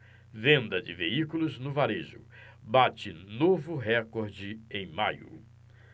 venda de veículos no varejo bate novo recorde em maio